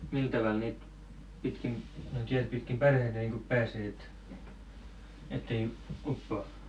millä tavalla niitä pitkin noita jäitä pitkin parhaiten niin kuin pääsee että että ei uppoa